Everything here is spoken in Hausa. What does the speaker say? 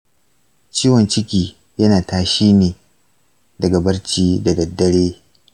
ciwon ciki yana tashi ni daga barci da daddare.